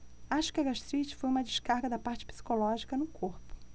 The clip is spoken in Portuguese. acho que a gastrite foi uma descarga da parte psicológica no corpo